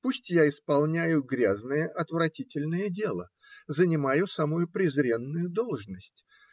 Пусть я исполняю грязное, отвратительное дело, занимаю самую презренную должность